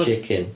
Chicken.